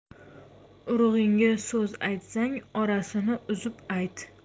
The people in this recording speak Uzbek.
urug'ingga so'z aytsang orasini uzib ayt